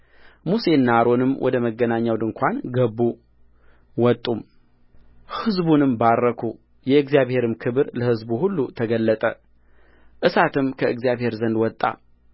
ሙሴና አሮንም ወደ መገናኛው ድንኳን ገቡ ወጡም ሕዝቡንም ባረኩ የእግዚአብሔርም ክብር ለሕዝቡ ሁሉ ተገለጠእሳትም ከእግዚአብሔር ዘንድ ወጣ